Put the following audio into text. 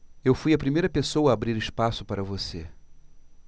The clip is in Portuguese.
eu fui a primeira pessoa a abrir espaço para você